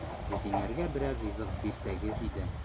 Ятимнәргә берәр ризык бирсәгез иде! ..